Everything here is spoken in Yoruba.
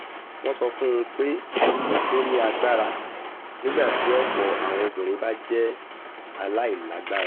Wọ́n sọ fún un pé ''Ó ní agbára nígbà tí ọ̀pọ̀ àwọn obìnrin bá jẹ́ aláìlágbára.''''